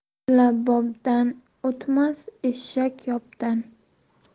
mulla bobdan o'tmas eshak yopdan